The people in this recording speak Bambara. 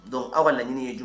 Donc aw ka laɲini ye ju